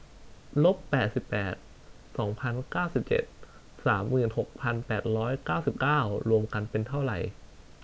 ลบแปดสิบแปดสองพันเก้าสิบเจ็ดสามหมื่นหกพันแปดร้อยเก้าสิบเก้ารวมกันเป็นเท่าไหร่